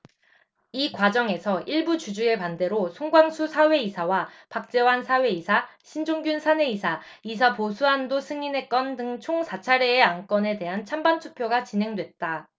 이 과정에서 일부 주주의 반대로 송광수 사외이사와 박재완 사외이사 신종균 사내이사 이사 보수한도 승인의 건 등 총 사 차례의 안건에 대한 찬반 투표가 진행됐다